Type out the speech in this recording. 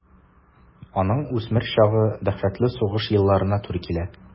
Аның үсмер чагы дәһшәтле сугыш елларына туры килә.